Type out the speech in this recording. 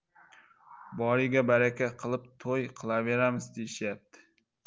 boriga baraka qilib to'y qilaveramiz deyishyapti